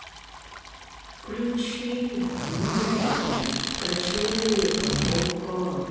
включи мультики про человека паука